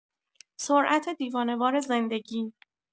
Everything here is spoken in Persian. سرعت دیوانه‌وار زندگی